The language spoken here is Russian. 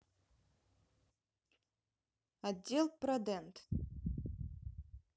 отдел продент